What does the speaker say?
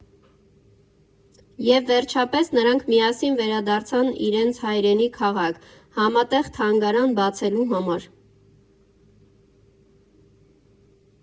Եվ վերջապես, նրանք միասին վերադարձան իրենց հայրենի քաղաք՝ համատեղ թանգարան բացելու համար.